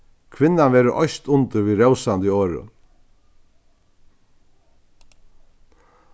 kvinnan verður oyst undir við rósandi orðum